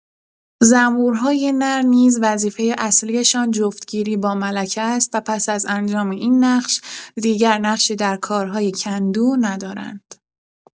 زنبورهای نر نیز وظیفه اصلی‌شان جفت‌گیری با ملکه است و پس از انجام این نقش، دیگر نقشی در کارهای کندو ندارند.